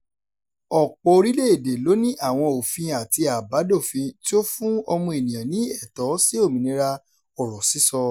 Ọ̀pọ̀ orílẹ̀-èdè ló ní àwọn òfin àti àbádòfin tí ó fún ọmọ ènìyàn ní ẹ̀tọ́ sí òmìnira ọ̀rọ̀ sísọ.